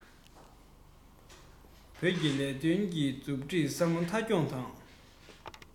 བོད ཀྱི ལས དོན གྱི མཛུབ ཁྲིད བསམ བློ མཐའ འཁྱོངས དང